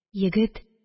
Егет